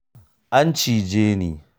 An cije ni!’